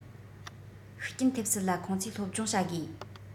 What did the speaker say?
ཤུགས རྐྱེན ཐེབས སྲིད ལ ཁོང ཚོའི སློབ སྦྱོང བྱ དགོས